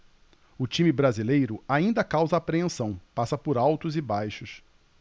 o time brasileiro ainda causa apreensão passa por altos e baixos